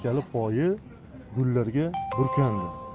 haykali poyi gullarga burkandi